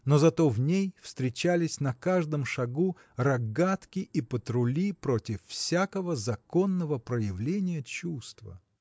но зато в ней встречались на каждом шагу рогатки и патрули и против всякого законного проявления чувства.